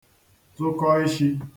tụkọ̄ īshī